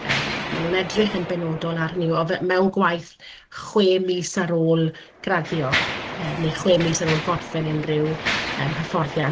yym maen nhw'n edrych yn benodol ar hynny yw, o fe- mewn gwaith chwe mis ar ôl graddio yy neu chwe mis ar ôl gorffen unrhyw ym hyfforddiant,